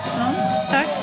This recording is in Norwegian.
sånn takk.